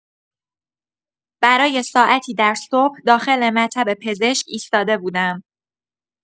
برای ساعتی در صبح داخل مطب پزشک ایستاده بودم.